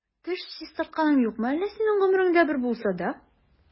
Теш чистартканың юкмы әллә синең гомереңдә бер булса да?